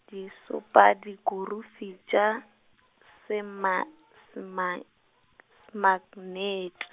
disopadikurufi tša, sema-, sema-, semaknete.